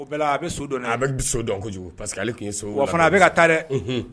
Bɛ a bɛ so dɔn kojugu pa que ale k'i so wa fana a bɛka ka taa dɛ